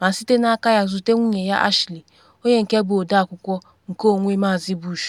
ma site n’aka ya zute nwunye ya Ashley, onye nke bụ ọde akwụkwọ nkeonwe Maazị Bush.